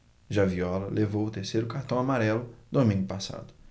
já viola levou o terceiro cartão amarelo domingo passado